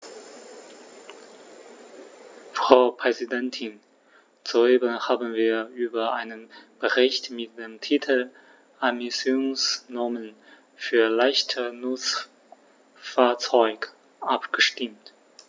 Frau Präsidentin, soeben haben wir über einen Bericht mit dem Titel "Emissionsnormen für leichte Nutzfahrzeuge" abgestimmt.